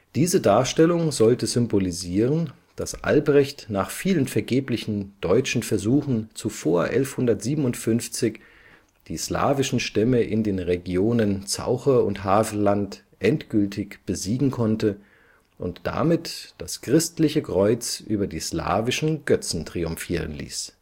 Diese Darstellung sollte symbolisieren, dass Albrecht nach vielen vergeblichen deutschen Versuchen zuvor 1157 die slawischen Stämme in den Regionen Zauche und Havelland endgültig besiegen konnte und damit „ das christliche Kreuz über die slawischen Götzen triumphieren ließ